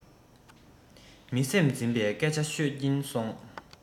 མི སེམས འཛིན པའི སྐད ཆ ཤོད ཀྱིན སོང